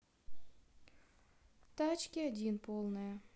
тачки один полная